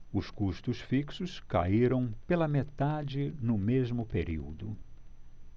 os custos fixos caíram pela metade no mesmo período